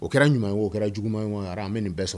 O kɛra ɲuman o kɛra jugu ɲɔgɔn a bɛ nin bɛɛ sɔrɔ